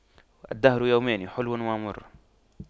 الدهر يومان حلو ومر